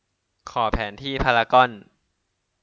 ขอแผนที่พารากอน